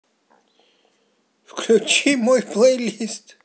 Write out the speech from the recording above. включи мой плей лист